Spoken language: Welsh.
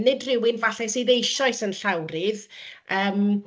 Nid rywun, falle, sydd falle eisoes yn llawrydd yym